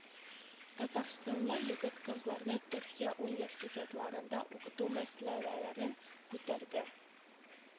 Татарстанлы егет-кызларны төркия университетларында укыту мәсьәләләрен күтәрде